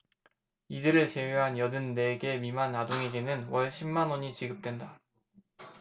이들을 제외한 여든 네 개월 미만 아동에게는 월 십 만원이 지급된다